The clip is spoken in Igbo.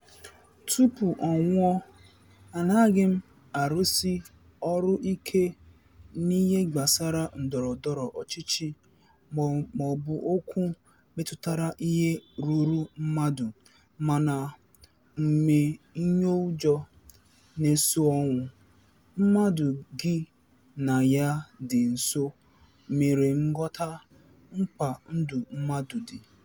tụpụ ọ nwụọ, anaghị m arụsị ọrụ ike n'ihe gbasara ndọrọndọrọ ọchịchị maọbụ okwu metụtara ihe ruuru mmadụ mana mmenyeụjọ na-eso ọnwụ mmadụ gị na ya dị nso mere m ghọta mkpa ndụ mmadụ dị.